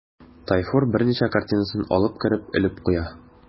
Тайфур берничә картинасын алып кереп элеп куя.